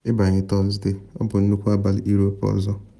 Ịbanye Tọsde, ọ bụ nnukwu abalị Europe ọzọ.